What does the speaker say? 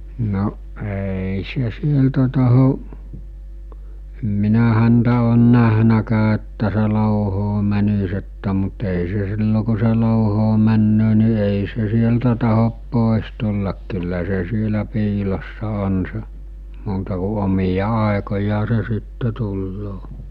no ei se sieltä tahdo en minä häntä ole nähnytkään että se louhoon menisi että mutta ei se silloin kun se louhoon menee niin ei se sieltä tahdo pois tulla kyllä se siellä piilossa on se muuta kuin omia aikojaan se sitten tulee